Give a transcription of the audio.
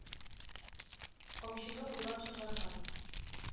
Камчыны уйлап чыгарган.